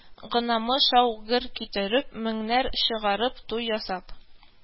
Гынамы, шау-гөр китереп меңнәр чыгарып туй ясап,